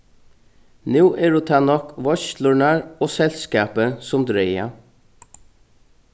nú eru tað nokk veitslurnar og selskapið sum draga